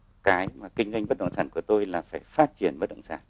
cái mà kinh doanh bất động sản của tôi là phải phát triển bất động sản